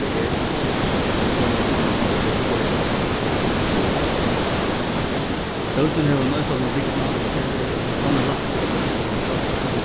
tað er at síggja konuna fána burtur broytast og gerast eitt hím bókin hevur ein einfaldan bygnað og tað er ein sannur lætti at tú viðhvørt fært eina